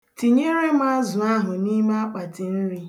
Tinyere m azụ ahụ n'ime akpatinri